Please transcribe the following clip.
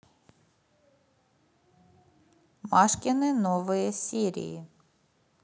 машкины новые серии